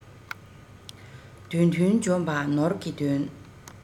དོན མཐུན འཇོམས པ ནོར གྱི དོན